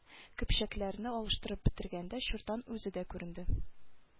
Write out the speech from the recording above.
Көпчәкләрне алыштырып бетергәндә чуртан үзе дә күренде